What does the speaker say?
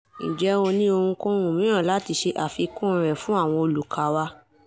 Ǹjẹ́ o ní ohunkóhun mìíràn láti ṣe àfikún rẹ̀ fún àwọn olùkà wa?